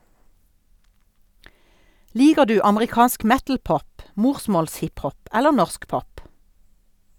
Liker du amerikansk metal-pop, morsmåls-hip-hop eller norsk pop?